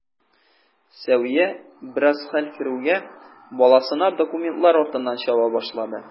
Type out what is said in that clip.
Сәвия, бераз хәл керүгә, баласына документлар артыннан чаба башлады.